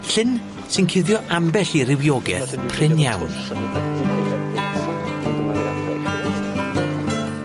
Llyn sy'n cuddio ambell i rhywiogeth prin iawn.